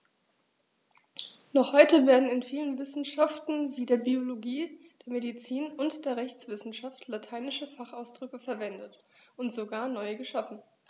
Noch heute werden in vielen Wissenschaften wie der Biologie, der Medizin und der Rechtswissenschaft lateinische Fachausdrücke verwendet und sogar neu geschaffen.